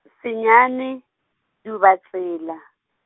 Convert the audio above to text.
senyane -dubatsela.